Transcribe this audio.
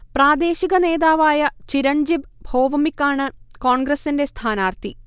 പ്രാദേശിക നേതാവായ ചിരൺജിബ് ഭോവ്മിക് ആണ് കോൺഗ്രസിന്റെ സ്ഥാനാർത്ഥി